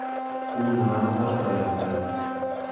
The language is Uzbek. u nimani qo'riqlayapti